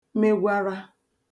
megwara